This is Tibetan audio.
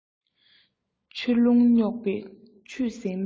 ཆུ ཀླུང རྙོག པས ཆུད གཟན པ